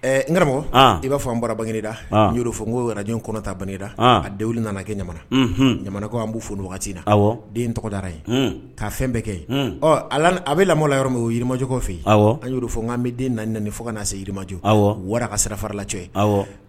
N g i b'a fɔ bɔragda y fo n ko araj kɔnɔta banla a denwwu nana kɛ ɲamana ɲa ko an b'u fo wagati na den tɔgɔdara yen ka fɛn bɛɛ kɛ a bɛ lamɔ yɔrɔ minirimajɔ fɛ yen an y' fɔ n'an bɛ den fo ka'a se yiriirimajɔ wara ka sira fararala cɛ